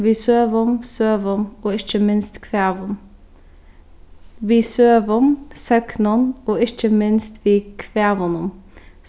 við søgum søgum og ikki minst kvæðum við søgum søgnum og ikki minst við kvæðunum